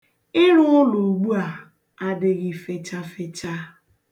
Ịrụ ụlọ ugbu a adịghị fechafecha.